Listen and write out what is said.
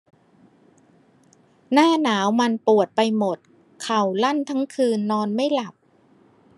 หน้าหนาวมันปวดไปหมดเข่าลั่นทั้งคืนนอนไม่หลับ